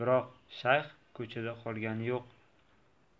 biroq shayx ko'chada qolgani yo'q